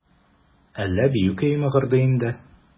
Әллә бию көе мыгырдый инде?